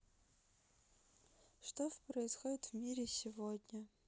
что происходит в мире сегодня